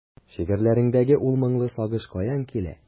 Шигырьләреңдәге ул моңлы сагыш каян килә?